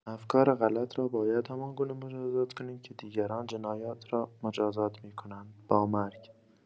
افکار غلط را باید همان‌گونه مجازات کنیم که دیگران جنایت را مجازات می‌کنند: با مرگ.